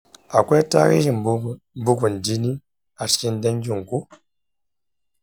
akwai tarihin bugun jini a cikin danginku?